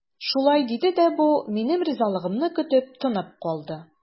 Шулай диде дә бу, минем ризалыгымны көтеп, тынып калды.